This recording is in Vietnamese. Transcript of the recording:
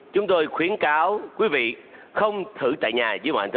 chúng tôi khuyến cáo quý vị không thử tại nhà dưới mọi